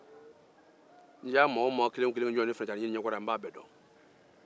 n'i y'a maa kelen o kelen da ne ɲɛ kɔrɔ n b'a bɛɛ dɔn